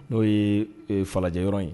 N'o yee e falajɛ yɔrɔ in ye